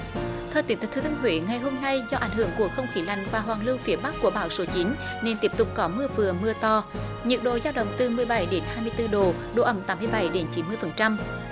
thời tiết tại thừa thiên huế ngày hôm nay do ảnh hưởng của không khí lạnh và hoàn lưu phía bắc của bão số chín nên tiếp tục có mưa vừa mưa to nhiệt độ dao động từ mười bảy đến hai mươi tư độ độ ẩm tám mươi bảy đến chín mươi phần trăm